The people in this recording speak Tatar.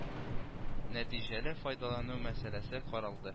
Нәти әле файдалану мәсьәләсе каралды